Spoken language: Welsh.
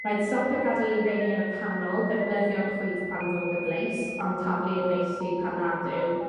Rhaid stopio gad'el i reini yn y canol defnyddio'r chwith pan fydd o'n gyfleus, on' taflu i'r neilltu pan nad yw,